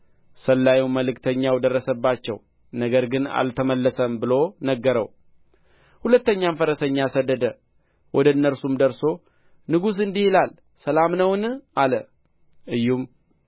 ሰላዩም መልእክተኛው ደረሰባቸው ነገር ግን አልተመለሰም ብሎ ነገረው ሁለተኛም ፈረሰኛ ሰደደ ወደ እነርሱም ደርሶ ንጉሡ እንዲህ ይላል ሰላም ነውን አለ ኢዩም